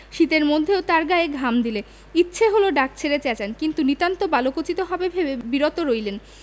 শীতের মধ্যেও তাঁর গায়ে ঘাম দিলে ইচ্ছে হলো ডাক ছেড়ে চেঁচান কিন্তু নিতান্ত বালকোচিত হবে ভেবে বিরত রইলেন